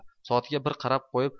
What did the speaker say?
soatiga bir qarab qo'yib